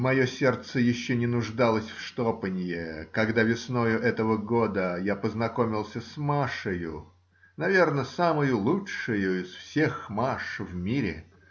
Мое сердце еще не нуждалось в штопанье, когда весною этого года я познакомился с Машею, наверно самою лучшею из всех Маш в мире.